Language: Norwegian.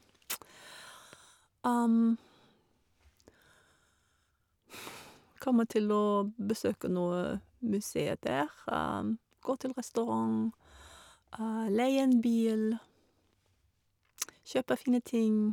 Kommer til å besøke noe museer der, gå til restaurant, leie en bil, kjøpe fine ting.